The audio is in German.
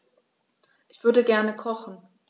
Ich würde gerne kochen.